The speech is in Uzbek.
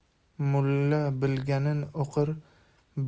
mulla bilganin o'qir